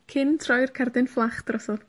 cyn troi'r cerdyn fflach drosodd?